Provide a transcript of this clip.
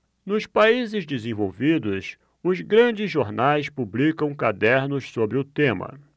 nos países desenvolvidos os grandes jornais publicam cadernos sobre o tema